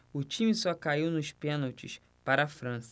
o time só caiu nos pênaltis para a frança